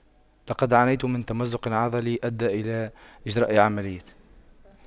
لقد عانيت من تمزق عضلي ادى الى إجراء عملية